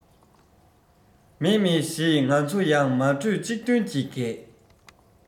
མཱེ མཱེ ཞེས ང ཚོ ཡང མ གྲོས གཅིག མཐུན གྱིས བགད